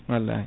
wallahi